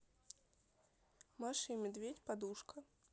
маша и медведь подушка